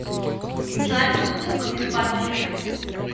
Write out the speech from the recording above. салют пукни с подливой